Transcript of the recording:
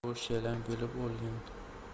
bosh yalang bo'lib olgan